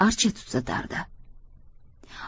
archa tutatardi